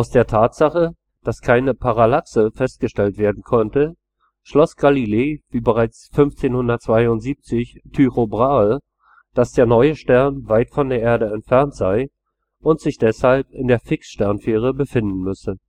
der Tatsache, dass keine Parallaxe festgestellt werden konnte, schloss Galilei wie bereits 1572 Tycho Brahe, dass der neue Stern weit von der Erde entfernt sei und sich deshalb in der Fixsternsphäre befinden müsse